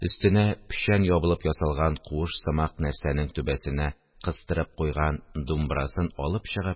Өстенә печән ябылып ясалган куыш сымак нәрсәнең түбәсенә кыстырып куйган думбрасын алып чыгып,